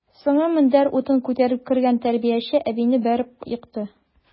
Соңгы мендәр утын күтәреп кергән тәрбияче әбине бәреп екты.